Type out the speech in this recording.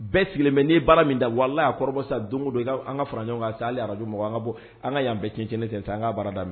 Bɛɛ sigilen bɛ n'i baara min da, walahi a kɔrɔbɔ sisan, don don i kaaa an ka fara ɲɔgɔn kan radio mɔgɔw an ka bɔ ,an ka yan bɛɛ cɛn cɛn tɛ sa an ka baara daminɛ